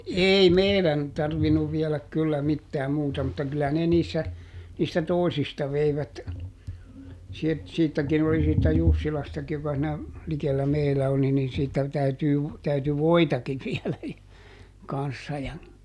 ei meidän tarvinnut viedä kyllä mitään muuta mutta kyllä ne niissä niistä toisista veivät - siitäkin oli siitä Jussilastakin joka siinä likellä meillä oli niin siitä täytyy - täytyi voitakin viedä kanssa ja